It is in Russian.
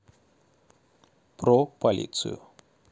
про полицию